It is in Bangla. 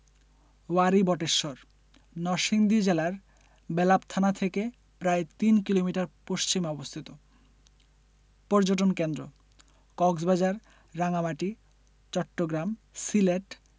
ওয়ারী বটেশ্বর নরসিংদী জেলার বেলাব থানা থেকে প্রায় তিন কিলোমিটার পশ্চিমে অবস্থিত পর্যটন কেন্দ্রঃ কক্সবাজার রাঙ্গামাটি চট্টগ্রাম সিলেট